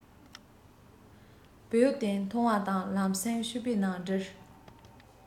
བེའུ དེ མཐོང བ དང ལམ སེང ཕྱུ པའི ནང སྒྲིལ